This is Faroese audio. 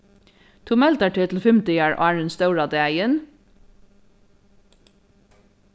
tú meldar teg til fimm dagar áðrenn stóra dagin